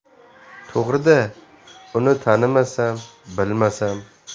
to'g'ri da uni tanimasam bilmasam